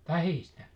tähdistä